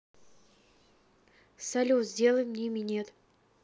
салют сделай мне минет